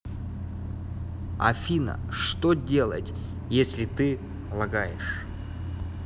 афина что делать если ты лагаешь